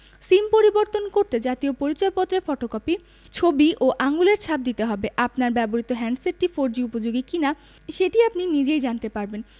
সিম পরিবর্তন করতে জাতীয় পরিচয়পত্রের ফটোকপি ছবি ও আঙুলের ছাপ দিতে হবে আপনার ব্যবহৃত হ্যান্ডসেটটি ফোরজি উপযোগী কিনা সেটি আপনি নিজেই জানতে পারবেন